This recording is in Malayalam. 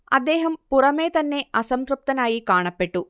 അദ്ദേഹം പുറമേ തന്നെ അസംതൃപ്തനായി കാണപ്പെട്ടു